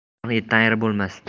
tirnoqni etdan ayirib bo'lmas